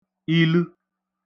ilu